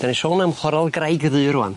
'Dan ni'n son am Chwaral Graig Ddu rŵan.